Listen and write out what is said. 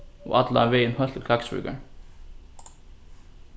og allan vegin heilt til klaksvíkar